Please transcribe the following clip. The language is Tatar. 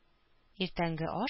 Иртәнге аш